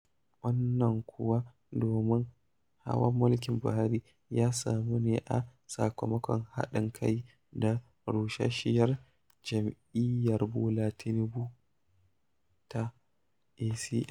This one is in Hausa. Wannan kuwa domin hawan mulkin Buhari ya samu ne a sakamakon haɗin kai da rusasshiyar jam'iyyar Bola Tinubu ta (ACN).